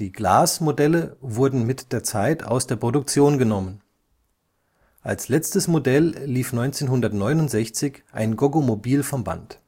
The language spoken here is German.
Glas-Modelle wurden mit der Zeit aus der Produktion genommen. Als letztes Modell lief 1969 ein Goggomobil vom Band